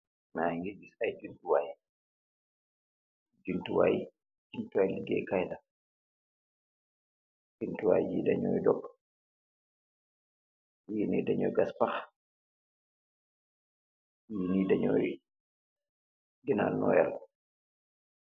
Makeh kess ay y untuwaay untuwaay liggéey kayna untuwaay yi dañooy dopp yi ni dañooy gaspax yi ni dañooy ginaal noel.